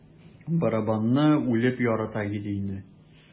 Барабанны үлеп ярата иде инде.